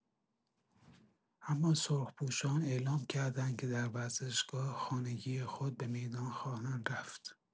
اما سرخپوشان اعلام کردند که در ورزشگاه خانگی خود به میدان خواهند رفت.